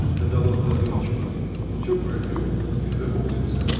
— сказал он задумчиво, — всё пройдет и забудется.